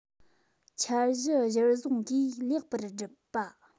འཆར གཞི གཞིར བཟུང གིས ལེགས པར བསྒྲུབས པ